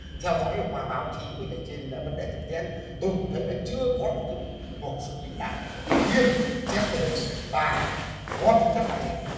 theo dõi qua báo chí với lấy trên đặt vấn đề thực tiễn tôi cũng thấy là chưa có mục đích cuộc xử lý đảng nghiêm triệt để và có tính chất răn đe